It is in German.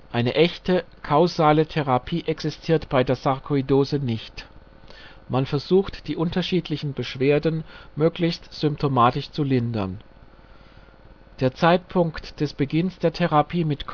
Eine echte kausale Therapie existiert nicht bei der Sarkoidose, man versucht die unterschiedlichen Beschwerden möglichst symptomatisch zu lindern. Der Zeitpunkt des Beginns der Therapie mit